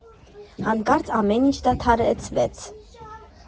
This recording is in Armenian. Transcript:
Հանկարծ ամեն ինչ դադարեցվեց.